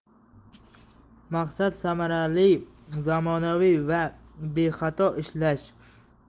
maqsad samarali zamonaviy va bexato ishlash